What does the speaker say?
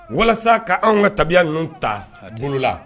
Walasa' anw ka tabiya ninnu ta olu la